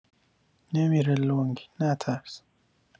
نمی‌ره لنگ نترس